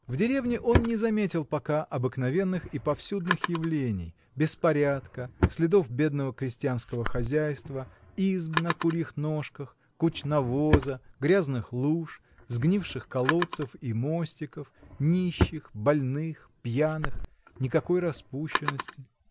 В деревне он не заметил пока обыкновенных и повсюдных явлений: беспорядка, следов бедного крестьянского хозяйства, изб на курьих ножках, куч навоза, грязных луж, сгнивших колодцев и мостиков, нищих, больных, пьяных, никакой распущенности.